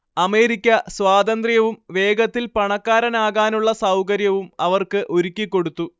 America സ്വാതന്ത്ര്യവും വേഗത്തിൽ പണക്കാരനാകാനുള്ള സൗകര്യവും അവർക്ക് ഒരുക്കിക്കൊടുത്തു